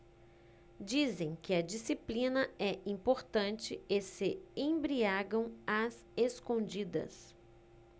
dizem que a disciplina é importante e se embriagam às escondidas